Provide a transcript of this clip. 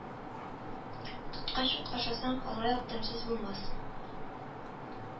Тоткач ук ашасаң, алай ук тәмсез булмас